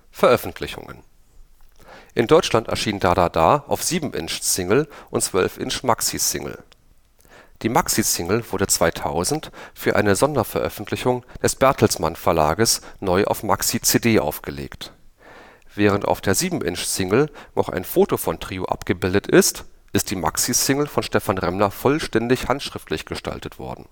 veröffentlicht worden. In Deutschland erschien „ Da da da “auf 7 "- Single und 12 "- Maxi-Single. Die Maxi-Single wurde 2000 für eine Sonderveröffentlichung des Bertelsmann-Verlages neu auf Maxi-CD aufgelegt. Während auf der 7 "- Single noch ein Foto von Trio abgebildet ist, ist die Maxi-Single von Stephan Remmler vollständig handschriftlich gestaltet worden